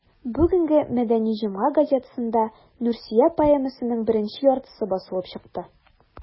Бүгенге «Мәдәни җомга» газетасында «Нурсөя» поэмасының беренче яртысы басылып чыкты.